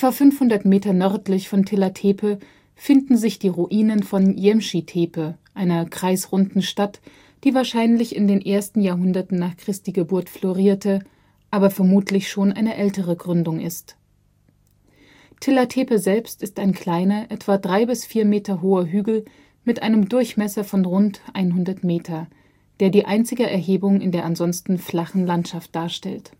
500 Meter nördlich von Tilla Tepe finden sich die Ruinen von Yemschi Tepe, einer kreisrunden Stadt, die wahrscheinlich in den ersten Jahrhunderten nach Christi Geburt florierte, aber vermutlich schon eine ältere Gründung ist. Tilla Tepe selbst ist ein kleiner, etwa drei bis vier Meter hoher Hügel mit einem Durchmesser von rund 100 Meter, der die einzige Erhebung in der ansonsten flachen Landschaft darstellt